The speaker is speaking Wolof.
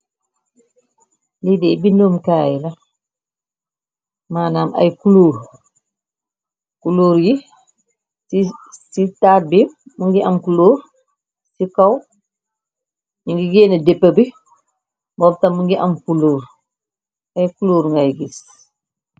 Lii déy bindoomkaay la, maanaam ak kuluur, kuluur yi ci taat bi mu ngi am kuluur, ci kaw ñi ngi yénne déppa bi, bobtam mingi am kuluur, ay kuluor ngay giss.